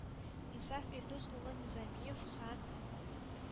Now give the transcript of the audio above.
Инсаф Илдус улы Низамиев һәм